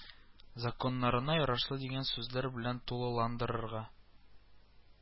Законнарына ярашлы дигән сүзләр белән тулыландырырга